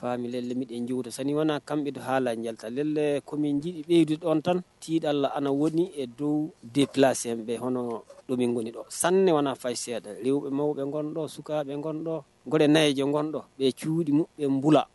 Falbmi cogoda sanin mana kanmi hahala jelilisa ko 1tida la an wari ni do dela senbɛ hɔrɔnɔnɔn don minɔnidɔ sanu ne mana fasi se da maawkdɔ suka kakdɔ gɛ n'a yeɛnkɔndɔ ee cogo n b'la